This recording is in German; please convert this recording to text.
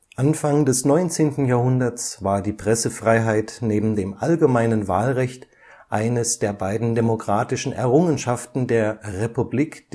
Anfang des 19. Jahrhunderts war die Pressefreiheit neben dem allgemeinen Wahlrecht eines der beiden demokratischen Errungenschaften der Republik